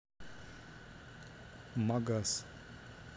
магас